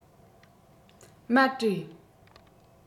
མར བྲོས